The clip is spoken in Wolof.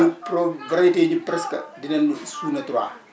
ñu pro variété yi ñu presque dinañ ñu Suuna 3